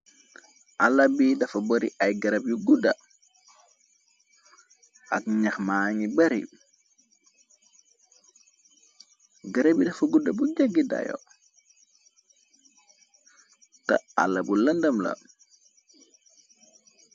Ala bi dafa bari ay garab yu gudda ak ñyax ma ngi bari garab yi dafa gudda bu jaggi dayo te àlla bu lëndam la.